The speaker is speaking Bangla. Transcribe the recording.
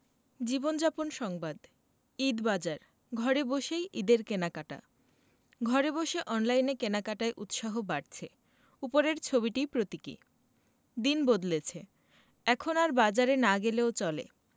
জীবনযাপন সংবাদ ঈদবাজার ঘরে বসেই ঈদের কেনাকাটা ঘরে বসে অনলাইনে কেনাকাটায় উৎসাহ বাড়ছে উপরের ছবিটি প্রতীকী দিন বদলেছে এখন আর বাজারে না গেলেও চলে